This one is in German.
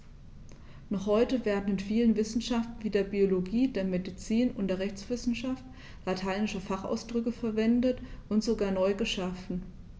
Noch heute werden in vielen Wissenschaften wie der Biologie, der Medizin und der Rechtswissenschaft lateinische Fachausdrücke verwendet und sogar neu geschaffen.